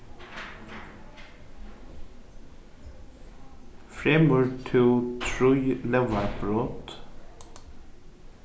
fremur tú trý lógarbrot